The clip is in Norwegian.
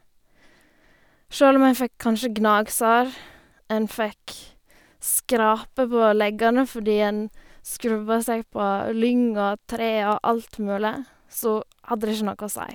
Sjøl om en fikk kanskje gnagsår, en fikk skraper på leggene fordi en skrubba seg på lyng og trær og alt mulig, så hadde det ikke noe å si.